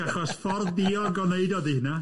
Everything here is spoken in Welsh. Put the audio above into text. Achos ffordd diog o wneud oedd hi hynna.